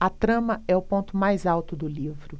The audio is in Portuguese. a trama é o ponto mais alto do livro